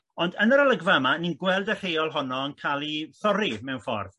ond yn yr olygfa yma ni'n gweld y rheol honno yn ca'l i thorri mewn ffordd